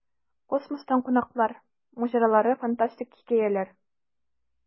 Космостан кунаклар: маҗаралы, фантастик хикәяләр.